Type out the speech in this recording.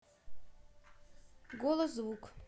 голос звук